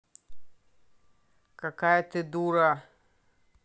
какая ты дура